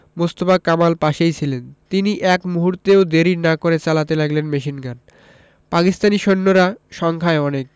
মোস্তফা কামাল পাশেই ছিলেন তিনি এক মুহূর্তও দেরি না করে চালাতে লাগলেন মেশিনগান পাকিস্তানি সৈন্যরা সংখ্যায় অনেক